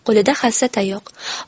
qo'lida hassa tayoq